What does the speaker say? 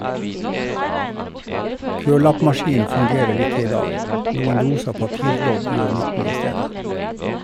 Kølappmaskinen fungerer ikke i dag ; noen rosa papirlodd gjør nytten i stedet.